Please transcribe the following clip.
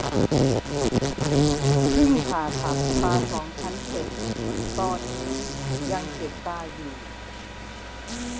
พึ่งผ่าตัดตาสองชั้นเสร็จตอนนี้ยังเจ็บตาอยู่